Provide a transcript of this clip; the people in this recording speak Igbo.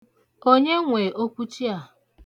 Onye nwe okwuchi a?